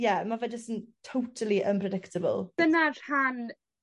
ie ma' fe jys yn totally unpredictable. Dyna'r rhan